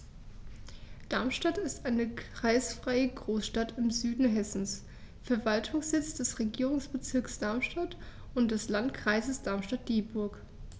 Darmstadt ist eine kreisfreie Großstadt im Süden Hessens, Verwaltungssitz des Regierungsbezirks Darmstadt und des Landkreises Darmstadt-Dieburg.